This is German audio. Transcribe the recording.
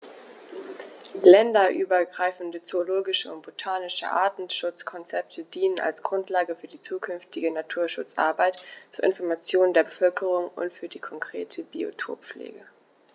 Länderübergreifende zoologische und botanische Artenschutzkonzepte dienen als Grundlage für die zukünftige Naturschutzarbeit, zur Information der Bevölkerung und für die konkrete Biotoppflege.